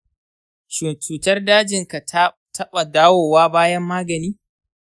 shin cutar dajin ka ta taɓa dawowa bayan magani?